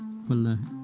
wallahi